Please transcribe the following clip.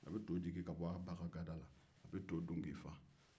a bɛ to jigin ka bɔ a ba ka gada la ka to dun k'i fa ni ka bɔ